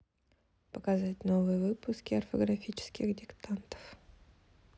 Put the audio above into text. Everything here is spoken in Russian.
показать новые выпуски орфографических диктантов